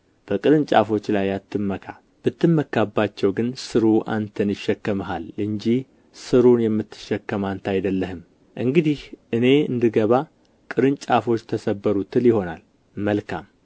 በቅርንጫፎች ላይ አትመካ ብትመካባቸው ግን ሥሩ አንተን ይሸከምሃል እንጂ ሥሩን የምትሸከም አንተ አይደለህም እንግዲህ እኔ እንድገባ ቅርንጫፎች ተሰበሩ ትል ይሆናል መልካም